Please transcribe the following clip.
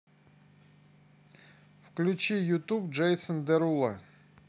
включи ютуб джейсон деруло